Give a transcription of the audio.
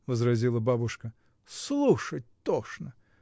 — возразила бабушка, — слушать тошно!